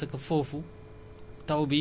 taux bi du benn